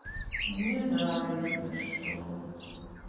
мне да если что